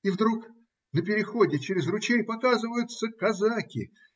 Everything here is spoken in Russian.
И вдруг на переходе через ручей показываются казаки!